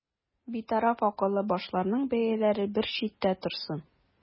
Битараф акыллы башларның бәяләре бер читтә торсын.